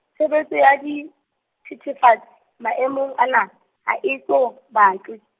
tshebetso ya dithethefatsi, maemong ana, ha eso, pakwe.